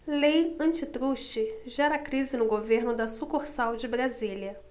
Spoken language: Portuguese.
lei antitruste gera crise no governo da sucursal de brasília